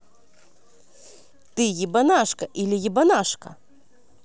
ты ебанашка или ебанашка